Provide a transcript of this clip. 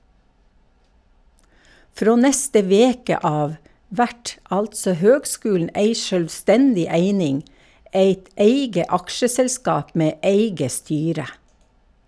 Frå neste veke av vert altså høgskulen ei sjølvstendig eining, eit eige aksjeselskap med eige styre.